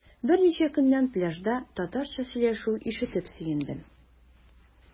Берничә көннән пляжда татарча сөйләшү ишетеп сөендем.